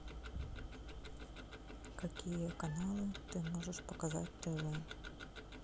какие каналы ты можешь показать тв